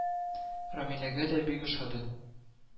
Рәмиләгә дә бик ошады